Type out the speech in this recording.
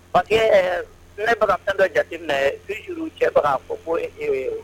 Pa nebaga fɛn dɔ jate minɛ biuru cɛ faga fɔ ko